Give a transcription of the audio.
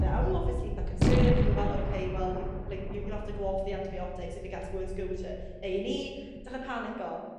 lle awn n'w obviously itha concerned o'n n'w fel oce wel you've a- like you- you'll ave to go off the antibiotics if it gets worse go to Ay and Ee dechre panico.